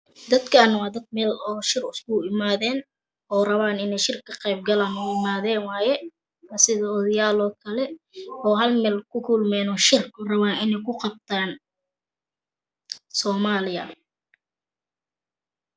Dadkaan waa dad meel oo shir iskugu imadeen oo rabaan iney shir ka qeb galaan u imaaden waye waa sida odoyaal oo kale o Hal mel ku kulmen shir raban iney ku qabtan soomaaliya